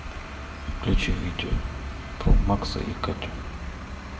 включить видео про макса и катю